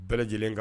Bɛɛ lajɛlen kan